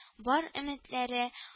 Бар - өметләрне